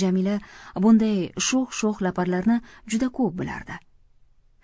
jamila bunday sho'x sho'x laparlarni juda ko'p bilardi